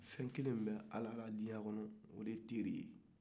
fɛn kelen min be ala la dija kɔnɔ o de ye teri ye